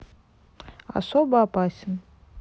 особо опасен